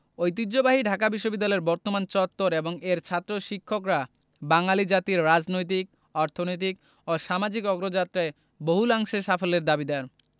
ঐতিহ্যবাহী ঢাকা বিশ্ববিদ্যালয়ের বর্তমান চত্বর এবং এর ছাত্র শিক্ষকরা বাঙালি জাতির রাজনৈতিক অর্থনৈতিক ও সামাজিক অগ্রযাত্রায় বহুলাংশে সাফল্যের দাবিদার